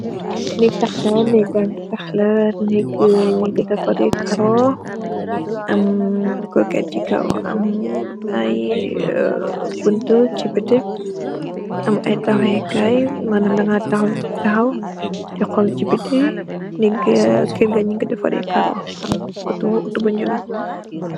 Lii taax la, taax taax bi ñuñg ko defaree karo, am corget ci kow, am ay buntu ci bitik, am ay taxawéékaay. Manaam da ngaay taxaw, di xool ci biti. Kër gi ñuñg ko defaree karo, am otto bu ñuul.